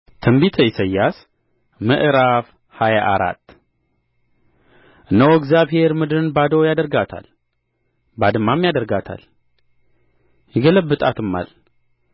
ትንቢተ ኢሳይያስ ምዕራፍ ሃያ አራት እነሆ እግዚአብሔር ምድርን ባዶ ያደርጋታል ባድማም ያደርጋታል ይገለብጣትማል